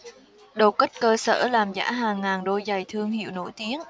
đột kích cơ sở làm giả hàng ngàn đôi giày thương hiệu nổi tiếng